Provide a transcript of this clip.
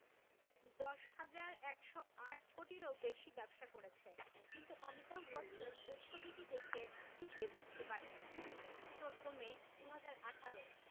১০১০৮ কোটিরও বেশি ব্যবসা করেছে কিন্তু অমিতাভ বচ্চন এই ছবিটি দেখে কিছুই বুঝতে পারেননি ১৪মে ২০১৮